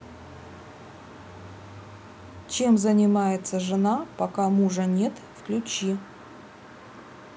чем занимается жена пока мужа нет включи